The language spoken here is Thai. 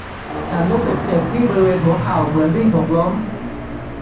ฉันรู้สึกเจ็บที่บริเวณหัวเข่าเหมือนวิ่งหกล้ม